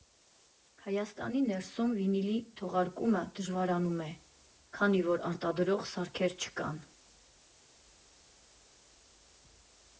Հայաստանի ներսում վինիլի թողարկումը դժվարանում է, քանի որ արտադրող սարքեր չկան։